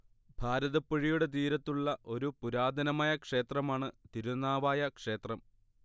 ഭാരതപ്പുഴയുടെ തീരത്തുള്ള ഒരു പുരാതനമായ ക്ഷേത്രമാണ് തിരുനാവായ ക്ഷേത്രം